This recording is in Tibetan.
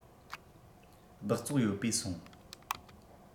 སྦགས བཙོག ཡོད པའི སོང